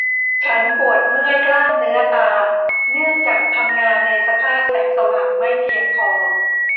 ฉันปวดเมื่อยกล้ามเนื้อตาเนื่องจากทำงานในสภาพแสงสว่างไม่เพียงพอ